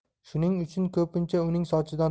shuning uchun ko'pincha uning sochidan